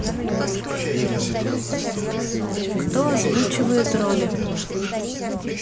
кто озвучивает роли